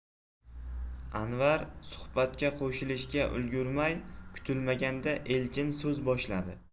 anvar suhbatga qo'shilishga ulgurmay kutilmaganda elchin so'z boshladi